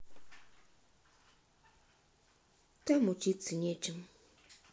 там учиться нечем